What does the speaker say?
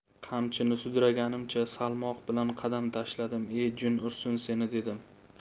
qamchini sudraganimcha salmoq bilan qadam tashladim e jin ursin seni dedim